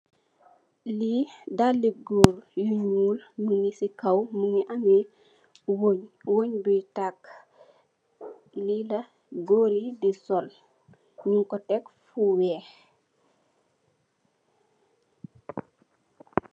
Li dalli gór yu ñuul ñing ci kaw, mugii ameh wëñ, wën buy takka. Li la gór yi di sol ñing ko tèk fu wèèx..